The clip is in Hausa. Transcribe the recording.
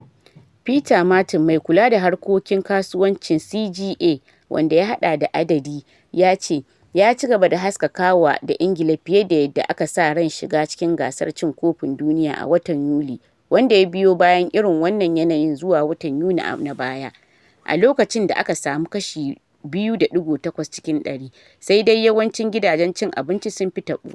Peter Martin, mai kula da harkokin kasuwancin CGA, wanda ya hada da adadi, ya ce: "Ya ci gaba da haskakawa da Ingila fiye da yadda aka sa ran shiga cikin gasar cin kofin duniya a watan Yuli, wanda ya biyo bayan irin wannan yanayin zuwa watan Yuni na baya, a lokacin da aka samu kashi 2.8 cikin dari, sai dai yawancin gidajen cin abinci sun fi taɓuwa.